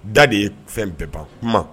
Da de ye fɛn bɛɛ ban, kuma.